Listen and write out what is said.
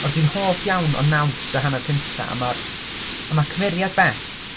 Ond dwi'n hoff iawn o naws y hannar cynta a ma' a ma' cymeriad Bet...